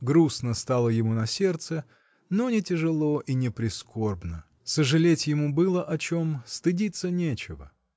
Грустно стало ему на сердце, но не тяжело и не прискорбно: сожалеть ему было о чем, стыдиться нечего.